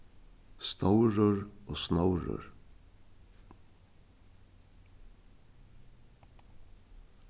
stórur og snórur